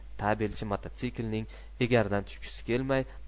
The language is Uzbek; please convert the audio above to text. tabelchi mototsiklining egaridan tushgisi kelmay